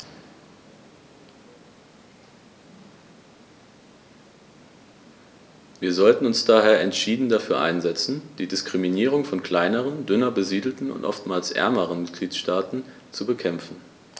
Wir sollten uns daher entschieden dafür einsetzen, die Diskriminierung von kleineren, dünner besiedelten und oftmals ärmeren Mitgliedstaaten zu bekämpfen.